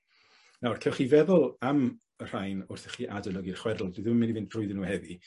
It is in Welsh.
Nawr cewch chi feddwl am y rhain wrth i chi adolygu'r chwedl. Dwi ddim y mynd i fynd trwyddyn nhw heddi.